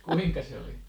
kuinka se oli